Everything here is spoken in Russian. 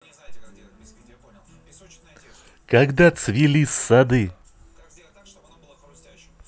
когда цвели сады